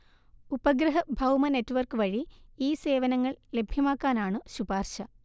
ഉപഗ്രഹ ഭൗമ നെറ്റ്‌വർക്ക് വഴി ഈ സേവനങ്ങൾ ലഭ്യമാക്കാനാണു ശുപാർശ